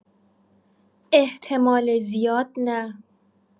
احتمال زیاد نه.